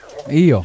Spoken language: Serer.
iyo